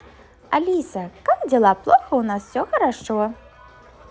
алиса как дела плохо у нас все хорошо